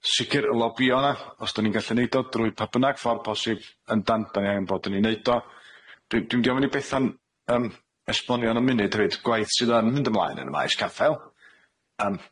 Sicir y lobïo 'na os 'dan ni'n gallu neud o drwy pa bynnag ffor posib yndan da ni angen bod yn 'i neud o, dwi dwi'm di ofyn i Bethan yym esbonio yn y munud hefyd, gwaith sydd yn mynd ymlaen yn y maes caffel yym.